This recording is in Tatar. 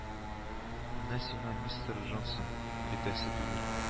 Менә сиңа мистер Джонсон, әйтәсе түгел